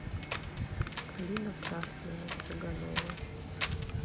калина красная циганова